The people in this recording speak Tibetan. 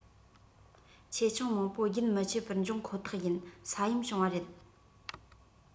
ཆེ ཆུང མང པོ རྒྱུན མི ཆད པར འབྱུང ཁོ ཐག ཡིན ས ཡོམ བྱུང བ རེད